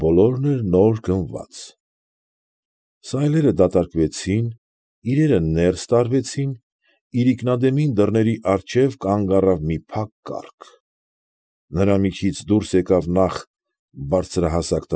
Բոլորն էլ նոր գնված. Սայլերը դատարկվեցին, իրերը ներս տարվեցին, իրիկնադեմին դռների առջև կանգ առավ մի փակ կառք, նրա միջից դուրս եկավ նախ բարձրահասակ։